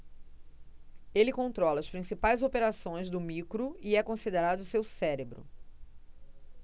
ele controla as principais operações do micro e é considerado seu cérebro